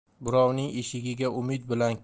birovning eshigiga umid bilan